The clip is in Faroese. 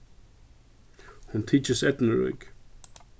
hon tykist eydnurík